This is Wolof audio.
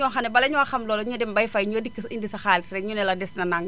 am na ci ñoo xam ne bala ñoo xam loola ñu dem bay fay ñu dikk indi sa xaalis rek ñu ne la des na nangam